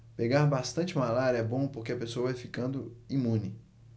pegar bastante malária é bom porque a pessoa vai ficando imune